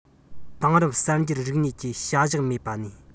དེང རབས གསར འགྱུར རིག གནས ཀྱི བྱ གཞག མེད པ ནས